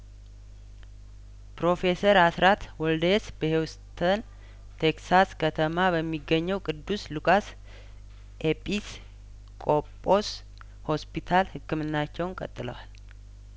ፕሮፌሰር አስራት ወልደየስ በሂውስተን ቴክሳስ ከተማ በሚገኘው ቅዱስ ሉቃስ ኤጲስ ቆጶስ ሆስፒታል ህክምናቸውን ቀጥለዋል